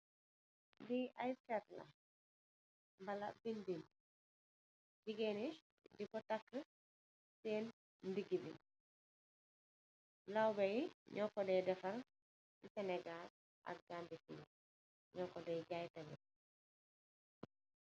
Lii fér la, Wala ay bin bin, jigéen i, dikko takkë si seen ndingë yi. Lawbe yi, ñoo ko Dee def si Sénégaal ak Gambiya. Ñoo ko Dee jaay.